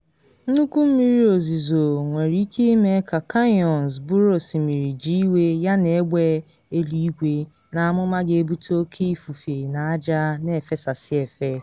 Nnukwu mmiri ozizo nwere ike ịme ka kanyọns bụrụ osimiri ji iwe yana egbe eluigwe na amụma ga-ebute oke ifufe na aja na efesasị efe.